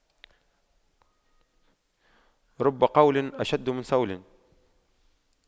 رب قول أشد من صول